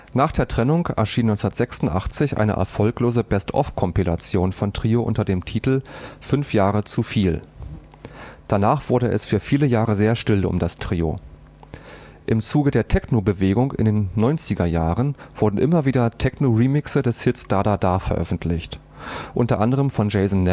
Nach der Trennung erschien 1986 eine erfolglose Best-Of-Kompilation von Trio unter dem Titel „ 5 Jahre zuviel “. Danach wurde es für viele Jahre sehr still um das Trio. Im Zuge der Techno-Bewegung in den 1990er Jahren wurden immer wieder Techno-Remixe des Hits „ Da da da “veröffentlicht, unter anderem von Jason